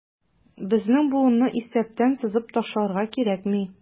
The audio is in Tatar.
Безнең буынны исәптән сызып ташларга кирәкми.